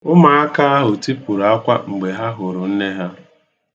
Ụmụaka ahụ tipụrụ akwa mgbe ha hụrụ nne ha